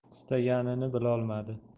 qistaganini bilolmadim